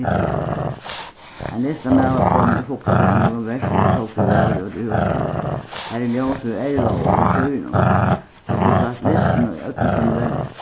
hyggja at list ein listamaður var komin úr fuglafirði við nøkrum verkum sum tóku seg væl út í húsinum har er ljós úr erva og úr síðunum so tú sært listina í øllum sínum veldi